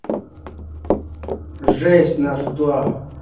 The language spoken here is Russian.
жесть на сто